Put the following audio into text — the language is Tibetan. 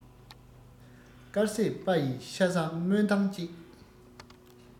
དཀར ཟས པ ཡིས ཤ ཟ སྨོད སྟངས ཤིག